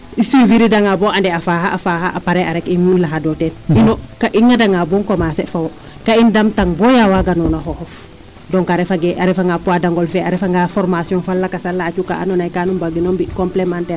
II suivie anga bo ande a faaxa a faaxa a pare'a i laxadu teen ino i ŋadangaa bo commencer fo' wo' kaa i ndamtang boo ya waaganoona xooxof donc a refanga poids dangole fe a refanga formation fa lakas a laacu kaa andoona yee kaan mbaang no mbi' complementaire.